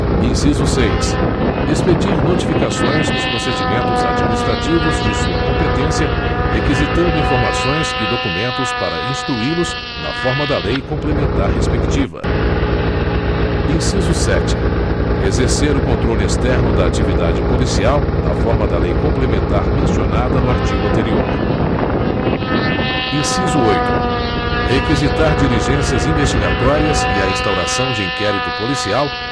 inciso seis expedir notificações nos procedimentos administrativos de sua competência requisitando informações e documentos para instruí los na forma da lei complementar respectiva inciso sete exercer o controle externo da atividade policial na forma da lei complementar mencionada no artigo anterior inciso oito requisitar diligências investigatórias e a instauração de inquérito policial